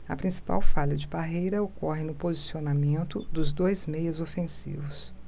a principal falha de parreira ocorre no posicionamento dos dois meias ofensivos